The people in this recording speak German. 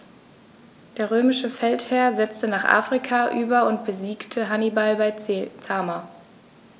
Der römische Feldherr setzte nach Afrika über und besiegte Hannibal bei Zama.